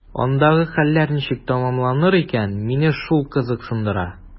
Андагы хәлләр ничек тәмамланыр икән – мине шул кызыксындыра.